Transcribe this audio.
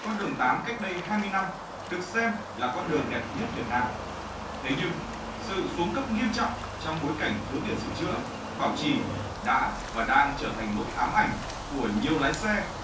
con đường tám cách đây hai mươi năm được xem là con đường đẹp nhất việt nam thế nhưng sự xuống cấp nghiêm trọng trong bối cảnh thiếu tiền sửa chữa bảo trì đã và đang trở thành nỗi ám ảnh của nhiều lái xe